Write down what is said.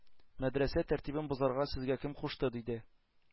Мәдрәсә тәртибен бозарга сезгә кем кушты? - диде.